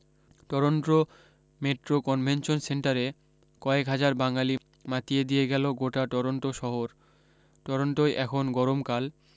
Toronto metro convention সেন্টারে কয়েক হাজার বাঙালী মাতিয়ে দিয়ে গেল গোটা টরোন্টো শহর টরোন্টোয় এখন গরমকাল